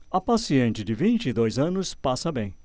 a paciente de vinte e dois anos passa bem